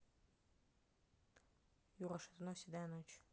юра шатунов седая ночь